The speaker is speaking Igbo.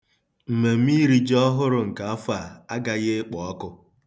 Mmemme iri ji ọhụrụ nke afọ a, agaghị ekpo ọkụ.